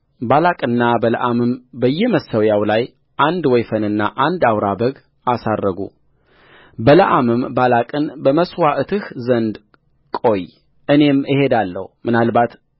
ባላቅና በለዓምም በየመሠዊያው ላይ አንድ ወይፈንና አንድ አውራ በግ አሳረጉበለዓምም ባላቅን በመሥዋዕትህ ዘንድ ቆይ እኔም እሄዳለሁ ምናልባት